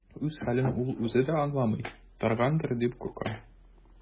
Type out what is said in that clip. Үз хәлен ул үзе дә аңламый торгандыр дип куркам.